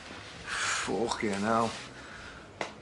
Ffwcin ell.